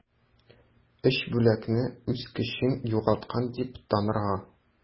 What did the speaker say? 3 бүлекне үз көчен югалткан дип танырга.